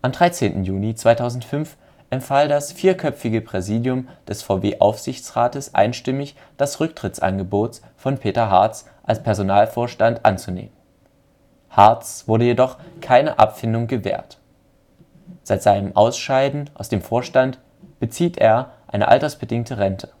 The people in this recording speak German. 13. Juli 2005 empfahl das vierköpfige Präsidium des VW-Aufsichtsrates einstimmig, das Rücktrittsangebot von Peter Hartz als Personalvorstand anzunehmen. Hartz wurde jedoch keine Abfindung gewährt. Seit seinem Ausscheiden aus dem Vorstand bezieht er eine altersbedingte Rente